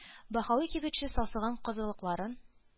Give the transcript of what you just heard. Баһави кибетче сасыган казылыкларын